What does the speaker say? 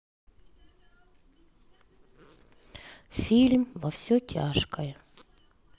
фильм во все тяжкое